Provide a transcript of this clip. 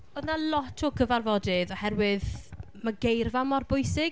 Oedd 'na lot o gyfarfodydd, oherwydd ma' geirfa mor bwysig...